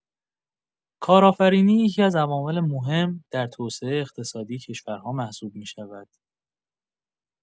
کارآفرینی یکی‌از عوامل مهم در توسعه اقتصادی کشورها محسوب می‌شود.